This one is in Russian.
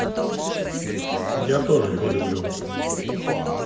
я тоже его люблю